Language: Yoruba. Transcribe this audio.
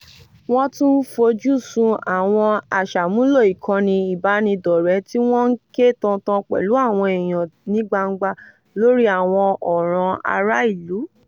Wọ́n tún ń fojú sun àwọn aṣàmúlò ìkànnì ìbánidọ́rẹ̀ẹ́ tí wọ́n ń ké tantan pẹ̀lú àwọn èèyàn ní gbangba lórí àwọn ọ̀ràn ará-ìlú.